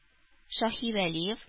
Шаһивәлиев